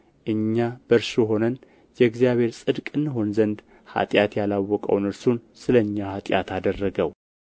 እኛ በእርሱ ሆነን የእግዚአብሔር ጽድቅ እንሆን ዘንድ ኃጢአት ያላወቀውን እርሱን ስለ እኛ ኃጢአት አደረገው